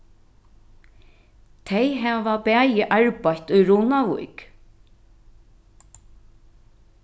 tey hava bæði arbeitt í runavík